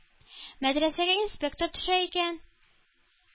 Мәдрәсәгә инспектор төшә икән,